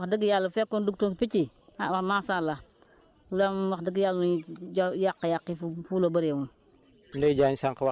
liñ béyoon si dugub wax dëgg yàlla bu fekkoon doonutoon picc yi ah macha allah loolu moom wax dëgg yàlla yàq-yàq yi foofu la bëree moom